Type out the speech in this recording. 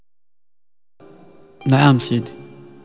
نعم سيتي